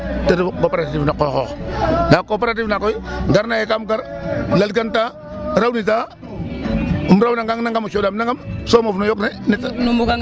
Na andoona yee ta refu cooperative no qooxoox ndaa coopérative na koy ba refna ye kaam gar lalganta rawnita um rawnangang nangam o cooxam nangam so moof no yook ne .